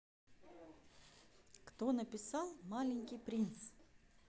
кто написал маленький принц